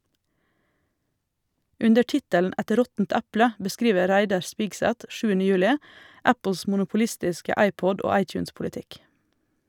Under tittelen "Et råttent eple" beskriver Reidar Spigseth 7. juli Apples monopolistiske iPod- og iTunes-politikk.